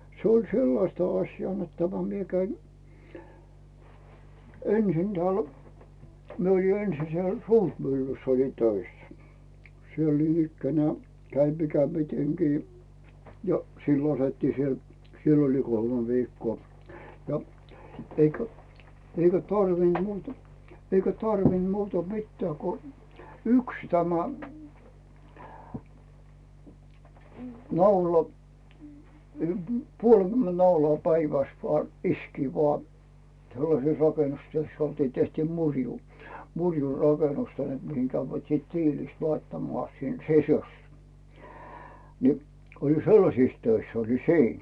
se oli sellaista asiaa että tämä minä kävin ensin täällä minä olin ensin siellä Suurmyllyssä olin töissä siellä niinikään kävin mikä mitenkin jo silloin se otettiin siellä siellä oli kolme viikkoa ja eikä eikä tarvinnut muuta eikä tarvinnut muuta mitään kuin yksi tämä naula - puolikymmentä naulaa päivässä vain iskeä vaan sellaisessa rakennustyössä oltiin tehtiin murjua murjua rakennustöihin mihin kävivät sitten tiilistä laittamaan sinne sisus niin oli sellaisissa töissä olin siinä